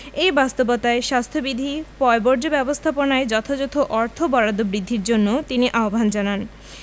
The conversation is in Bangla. এই বাস্তবতায় স্বাস্থ্যবিধি পয়ঃবর্জ্য ব্যবস্থাপনায় যথাযথ অর্থ বরাদ্দ বৃদ্ধির জন্য তিনি আহ্বান জানান